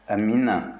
amiina